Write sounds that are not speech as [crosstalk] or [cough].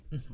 [hesitation] [hesitation]